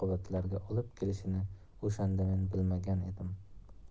oqibatlarga olib kelishini o'shanda men bilmagan edim